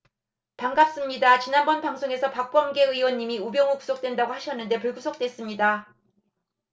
반갑습니다 지난번 방송에서 박범계 의원님이 우병우 구속된다고 하셨는데 불구속됐습니다